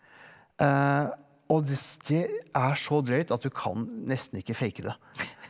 og det er så drøyt at du kan nesten ikke fake det.